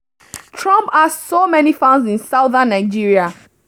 Trump has so many fans in southern Nigeria